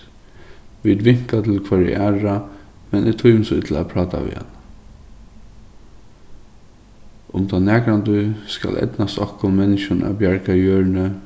vit vinka til hvørja aðra men eg tími so illa at práta við hana um tað nakrantíð skal eydnast okkum menniskjum at bjarga jørðini